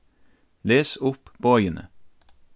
les upp boðini